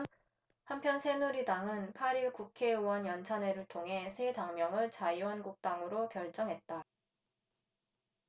한편 새누리당은 팔 일 국회의원 연찬회를 통해 새 당명을 자유한국당으로 결정했다